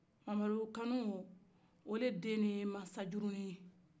mamadukanu o de den ye masajuruni ye